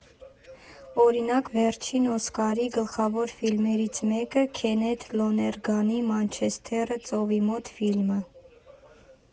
Օրինակ՝ վերջին Օսկարի գլխավոր ֆիլմերից մեկը՝ Քենեթ Լոներգանի «Մանչեսթերը ծովի մոտ» ֆիլմը։